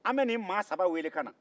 an bɛ nin maa saba wele ka na